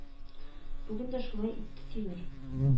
Бүген дә шулай итте тимер